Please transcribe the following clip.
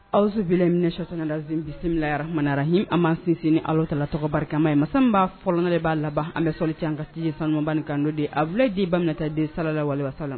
an b'an sinsin ni Alahutala tɔgɔ barima ye masa min b'a fɔlɔ n'ale b'a laban an bɛ sɔli kɛ an ka ciden saumanba in kan n'o de Abulayi den Baminata den